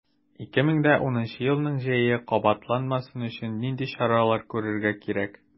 2010 елның җәе кабатланмасын өчен нинди чаралар күрергә кирәк?